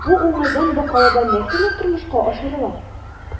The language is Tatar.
Бу уңайдан Бакалыда нәрсәләр тормышка ашырыла?